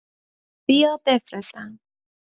بیا بفرستم